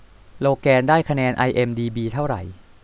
โลแกนได้คะแนนไอเอ็มดีบีเท่าไหร่